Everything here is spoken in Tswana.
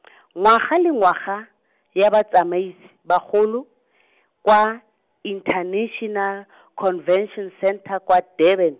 ngwaga le ngwaga, ya batsamaisi, bagolo, kwa, International , Convention Centre kwa Durban.